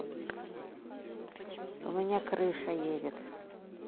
у меня крыша едет